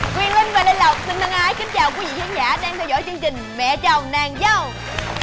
lê lộc xin thân ái kính chào quý khán giả đang theo dõi chương trình mẹ chồng nàng dâu